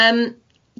Yym.